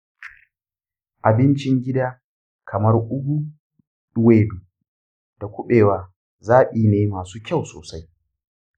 abincin gida kamar ugu, ewedu da kubewa zaɓi ne masu kyau sosai.